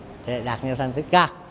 để đạt nhiều thành tích cao